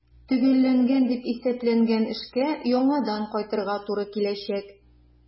Төгәлләнгән дип исәпләнгән эшкә яңадан кайтырга туры киләчәк.